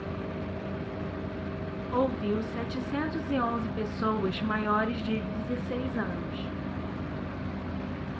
ouviu setecentos e onze pessoas maiores de dezesseis anos